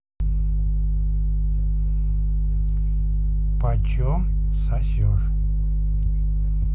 почем сосешь